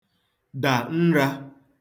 dà nrā